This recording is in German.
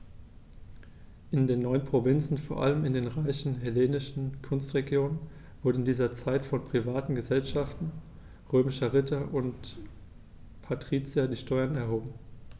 In den neuen Provinzen, vor allem in den reichen hellenistischen Küstenregionen, wurden in dieser Zeit von privaten „Gesellschaften“ römischer Ritter und Patrizier die Steuern erhoben.